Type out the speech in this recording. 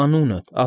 Անունդ։